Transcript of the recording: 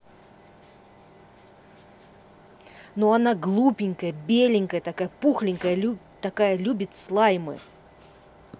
ну она глупенькая беленькая такая пухленькая такая любит слаймы